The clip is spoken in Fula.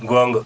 goonga